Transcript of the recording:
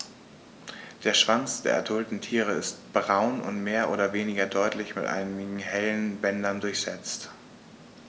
Der Schwanz der adulten Tiere ist braun und mehr oder weniger deutlich mit einigen helleren Bändern durchsetzt.